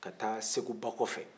ka taa segu ba kɔfɛ